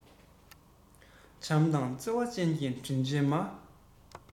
བྱམས དང བརྩེ བ ཅན གྱི དྲིན ཆེན མ